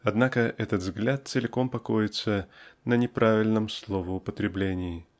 однако этот взгляд целиком покоится на неправильном словоупотреблении.